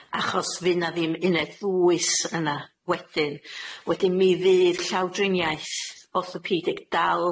achos fydd na ddim uned ddwys yna wedyn. Wedyn mi fydd llawdriniaeth orthopedic dal